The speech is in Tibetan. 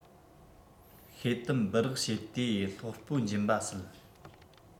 ཤེལ དམ སྦི རག བྱེད དུས སློག སྤོ འབྱིན པ སྲིད